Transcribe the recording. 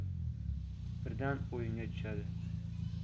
birdan o'yinga tushadi